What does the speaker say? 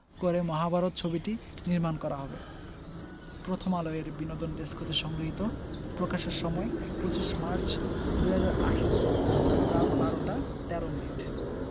করে মহাভারত ছবিটি নির্মাণ করা হবে প্রথমআলো এর বিনোদন ডেস্ক হতে সংগৃহীত প্রকাশের সময় ২৫মার্চ ২০১৮ রাত ১২ টা ১৩ মিনিট